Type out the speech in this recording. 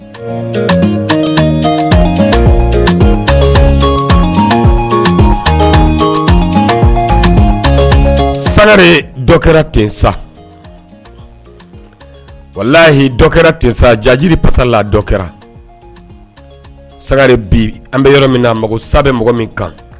Sagare kɛra lahi dɔ kɛra tsa jaji pasa la dɔ kɛra sagare bi an bɛ yɔrɔ min na mɔgɔsa bɛ mɔgɔ min kan